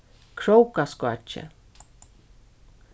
krókaskákið